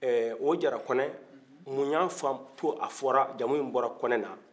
ɛɛ o jara-kɔnɛ muya foto a fɔra jamuyin bɔra kɔnɛ la